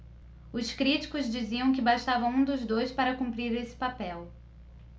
os críticos diziam que bastava um dos dois para cumprir esse papel